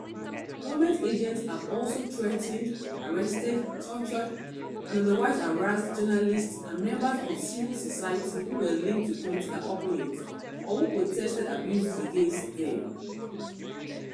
Government agents have also threatened, arrested, tortured, and otherwise harassed journalists and members of civil society who were linked to political opponents or who protested abuses against them.